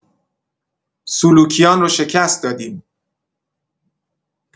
سلوکیان رو شکست دادیم.